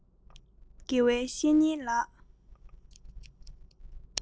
གང ཞིག ཐོག མར འཇིག རྟེན འདིར སླེབས